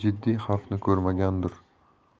jiddiy xavfni ko'rmagandir